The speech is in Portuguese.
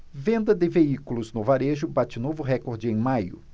venda de veículos no varejo bate novo recorde em maio